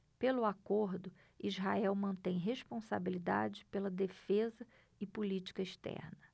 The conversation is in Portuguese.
pelo acordo israel mantém responsabilidade pela defesa e política externa